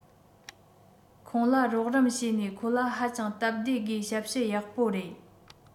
ཁོང ལ རོགས རམ བྱས ནས ཁོ ལ ཧ ཅང སྟབས བདེ སྒོས ཞབས ཞུ ཡག པོ རེད